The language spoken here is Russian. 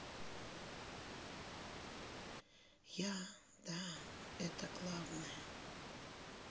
я да это главная